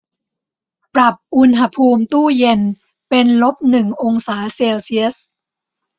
ปรับอุณหภูมิตู้เย็นเป็นลบหนึ่งองศาเซลเซียส